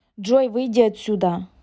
джой выйди отсюда